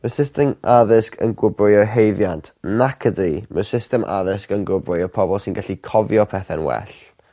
Ma' system addysg yn gwobrwyo haeddiant. Nacydi. Ma'r system addysg yn gwobrwyo pobol sy'n gallu cofio pethe'n well.